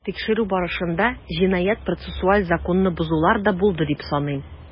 Тикшерү барышында җинаять-процессуаль законны бозулар да булды дип саныйм.